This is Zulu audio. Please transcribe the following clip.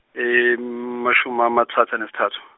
-mashumi amathathu anesithathu.